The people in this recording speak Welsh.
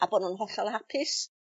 A bod nw'n hollol hapus?